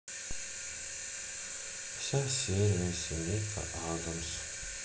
вся серия семейка аддамс